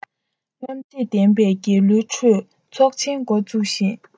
རྔམ བརྗིད ལྡན པའི རྒྱལ གླུའི ཁྲོད ཚོགས ཆེན འགོ ཚུགས ཤིང